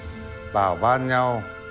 bảo ban nhau